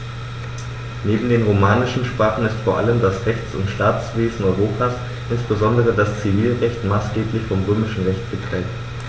Neben den romanischen Sprachen ist vor allem das Rechts- und Staatswesen Europas, insbesondere das Zivilrecht, maßgeblich vom Römischen Recht geprägt.